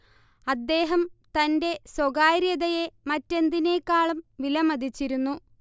അദ്ദേഹം തന്റെ സ്വകാര്യതയെ മറ്റെന്തിനേക്കാളും വിലമതിച്ചിരുന്നു